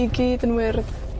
i gyd yn wyrdd.